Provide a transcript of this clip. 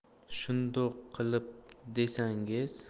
shundoq qilib desangiz